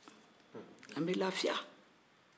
an bɛ lafiya